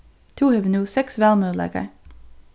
tú hevur nú seks valmøguleikar